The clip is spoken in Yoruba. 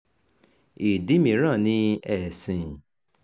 Ìdí mìíràn ni ẹ̀sìn.